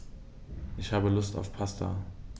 Ich habe Lust auf Pasta.